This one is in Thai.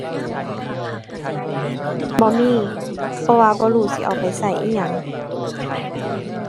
บ่มี เพราะว่าบ่รู้สิเอาไปใช้อิหยัง